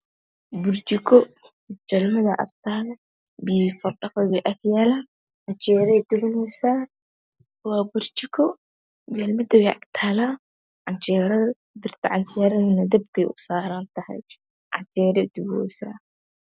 Burjiko jalmada ag taalo biyo fardhaqo wey ag yalaan canjeere dubosa waa burjiko jalmada wey agtala birta canjeradne dabke u saran tahy canjeere dubosa